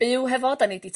byw hefo 'dan ni 'di